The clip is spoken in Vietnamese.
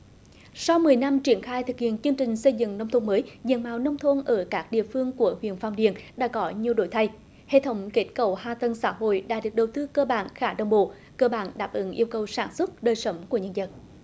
sau mười năm triển khai thực hiện chương trình xây dựng nông thôn mới diện mạo nông thôn ở các địa phương của huyện phong điền đã có nhiều đổi thay hệ thống kết cấu hạ tầng xã hội đã được đầu tư cơ bản khá đồng bộ cơ bản đáp ứng yêu cầu sản xuất đời sống của nhân dân